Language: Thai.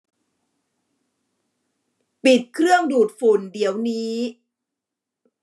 ปิดเครื่องดูดฝุ่นเดี๋ยวนี้